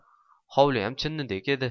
hovliyam chinnidek edi